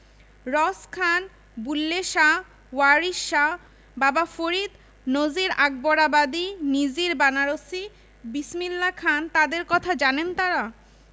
রস খান বুল্লে শাহ ওয়ারিশ শাহ বাবা ফরিদ নজির আকবরাবাদি নিজির বানারসি বিসমিল্লা খান তাঁদের কথা জানেন তাঁরা